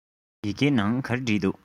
ཡི གེའི ནང ག རེ བྲིས འདུག